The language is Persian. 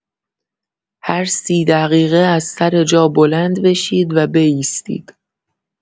هر ۳۰ دقیقه از سر جا بلند بشید و بایستید.